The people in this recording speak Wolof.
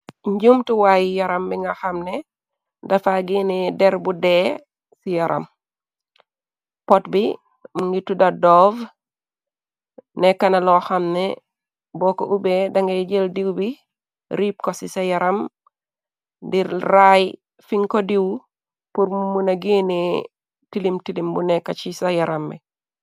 Njuumtuwaayi yaram bi nga xamne dafa geene der bu dee ci yaram. Pot bi mungituda doov. Nekkna loo xamne boko ube da ngay jël diiw bi riip ko ci ca yaram dir raay fin ko diiw pur mu na geenee tilim tilim bu nekka ci ca yarambi.